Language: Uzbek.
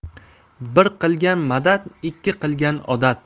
bir qilgan madad ikki qilgan odat